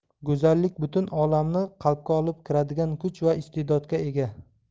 go'zallik butun olamni qalbga olib kiradigan kuch va iste'dodga ega